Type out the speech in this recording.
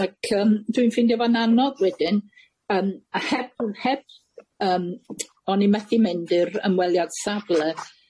ac yym dwi'n ffeindio fo'n anodd wedyn yym, a heb heb yym... O'n i methu mynd i'r ymweliad safle